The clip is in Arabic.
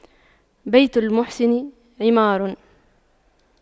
بيت المحسن عمار